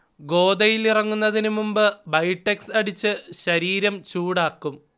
ഗോദയിൽ ഇറങ്ങുന്നതിന് മുമ്പ് ബൈഠക്സ് അടിച്ച് ശരീരം ചൂടാക്കും